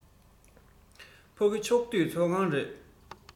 ཕ གི ཕྱོགས བསྡུས ཚོགས ཁང རེད